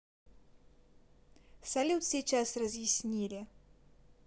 салют сейчас разъяснили